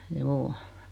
juu